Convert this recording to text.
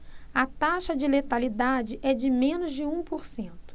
a taxa de letalidade é de menos de um por cento